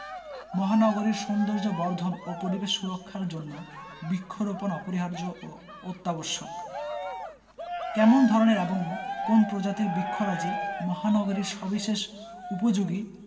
মহানগরীর সৌন্দর্যবর্ধন ও পরিবেশ সুরক্ষার জন্য বৃক্ষরোপণ অপরিহার্য ও অত্যাবশ্যক কেমন ধরনের এবং কোন্ প্রজাতির বৃক্ষরাজি মহানগরীর সবিশেষ উপযোগী